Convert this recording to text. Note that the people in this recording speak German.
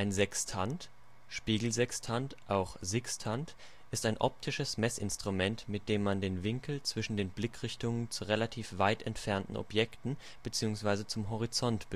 Sextant (Spiegelsextant, auch Sixtant) ist ein optisches Messinstrument, mit dem man den Winkel zwischen den Blickrichtungen zu relativ weit entfernten Objekten bzw. zum Horizont